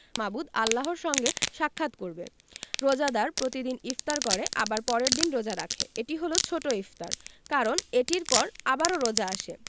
মাবুদ আল্লাহর সঙ্গে সাক্ষাৎ করবে রোজাদার প্রতিদিন ইফতার করে আবার পরের দিন রোজা রাখে এটি হলো ছোট ইফতার কারণ এটির পর আবারও রোজা আসে